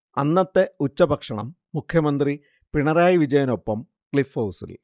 അന്നത്തെ ഉച്ചഭക്ഷണം മുഖ്യമന്ത്രി പിണറായി വിജയനൊപ്പം ക്ലിഫ്ഹൗസിൽ